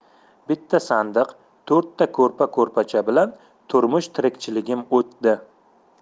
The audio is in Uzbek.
bitta sandiq to'rtta ko'rpa ko'rpacha bilan turmush tirikchiligim o'tdi